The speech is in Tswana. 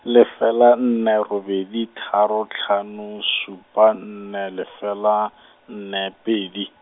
lefela nne robedi tharo tlhano supa nne lefela, nne pedi.